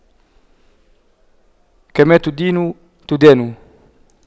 كما تدين تدان